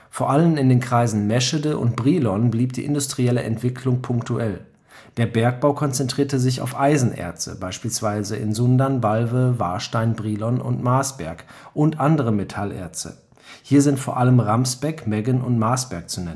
Vor allem in den Kreisen Meschede und Brilon blieb die industrielle Entwicklung punktuell. Der Bergbau konzentrierte sich auf Eisenerze (beispielsweise Sundern, Balve, Warstein, Brilon, und Marsberg) und andere Metallerze; hier sind vor allem Ramsbeck, Meggen, und Marsberg zu